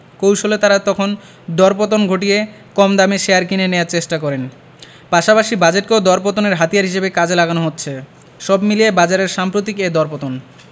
কৌশলে তাঁরা তখন দরপতন ঘটিয়ে কম দামে শেয়ার কিনে নেয়ার চেষ্টা করেন পাশাপাশি বাজেটকেও দরপতনের হাতিয়ার হিসেবে কাজে লাগানো হচ্ছে সব মিলিয়ে বাজারের সাম্প্রতিক এ দরপতন